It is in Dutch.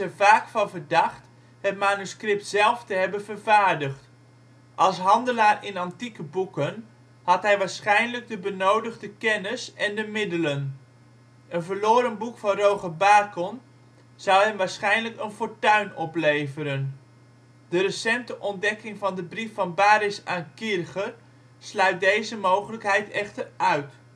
vaak van verdacht het manuscript zelf te hebben vervaardigd. Als handelaar in antieke boeken had hij waarschijnlijk de benodigde kennis en de middelen. Een verloren boek van Roger Bacon zou hem waarschijnlijk een fortuin opleveren. De recente ontdekking van de brief van Baresch aan Kircher sluit deze mogelijkheid echter uit